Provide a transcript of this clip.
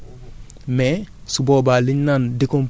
mën naa koo dem jël sotti ko directement sama tool